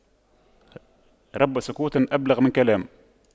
رب سكوت أبلغ من كلام